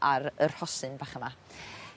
ar y rhosyn bach yma.